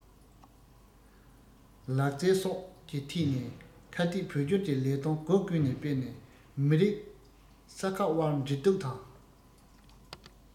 ལག རྩལ སོགས ཀྱི ཐད ནས ཁ གཏད བོད སྐྱོར གྱི ལས དོན སྒོ ཀུན ནས སྤེལ ནས མི རིགས ཁག དབར འབྲེལ གཏུག དང